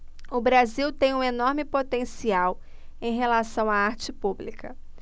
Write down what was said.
o brasil tem um enorme potencial em relação à arte pública